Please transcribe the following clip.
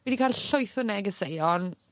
fi 'di ca'l llwyth o negeseuon